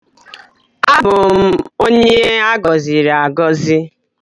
Abụ m onye a gọziri agọzi